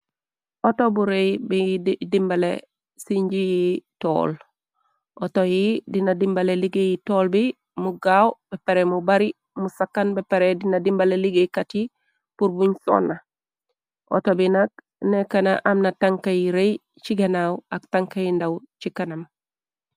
Ooto bu rëy bi dimbale ci nji yi tool, ooto yi dina dimbale liggéey tool bi mu gaaw bépare mu bari mu sakan, bapare dina dimbale liggéeykat yi pur buñ soonna, outo bi nak nekkëna, am na tanka yi rëy ci ganaaw ak tanka yu ndaw ci kanam.